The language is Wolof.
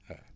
waa